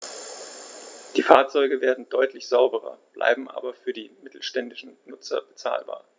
Die Fahrzeuge werden deutlich sauberer, bleiben aber für die mittelständischen Nutzer bezahlbar.